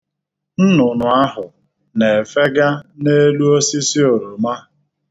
Nnụnụ ahụ na-efega n'elu osisi oroma.